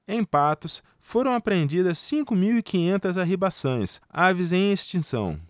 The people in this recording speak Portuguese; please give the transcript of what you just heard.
em patos foram apreendidas cinco mil e quinhentas arribaçãs aves em extinção